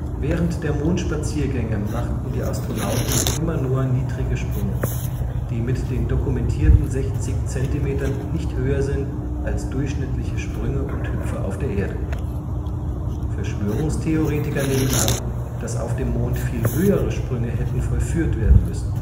Während der Mondspaziergänge machten die Astronauten immer nur niedrige Sprünge, die mit den dokumentierten 60 Zentimetern nicht höher sind als durchschnittliche Sprünge und Hüpfer auf der Erde. Verschwörungstheoretiker nehmen an, dass auf dem Mond viel höhere Sprünge hätten vollführt werden müssen